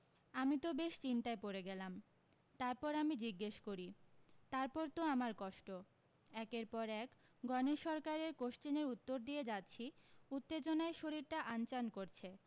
আমি তো বেশ চিন্তায় পড়ে গেলাম তারপর আমি জিজ্ঞেস করি তারপর তো আমার কষ্ট একের পর এক গণেশ সরকারের কোশ্চেনের উত্তর দিয়ে যাচ্ছি উত্তেজনায় শরীরটা আনচান করছে